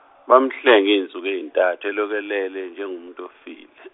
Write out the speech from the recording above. bamhlenga insuku ezintathu elokhu elele njengomuntu ofile.